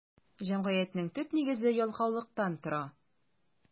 Җәмгыятьнең төп нигезе ялкаулыктан тора.